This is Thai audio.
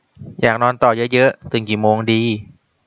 อยากนอนต่อเยอะเยอะตื่นกี่โมงดี